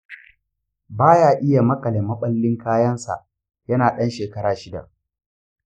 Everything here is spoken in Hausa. ba ya iya maƙale maballin kayansa yana ɗan shekara shida.